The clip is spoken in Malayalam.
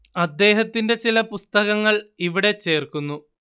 അദ്ദേഹത്തിന്റെ ചില പുസ്തകങ്ങൾ ഇവിടെ ചേർക്കുന്നു